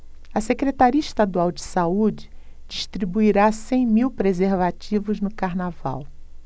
a secretaria estadual de saúde distribuirá cem mil preservativos no carnaval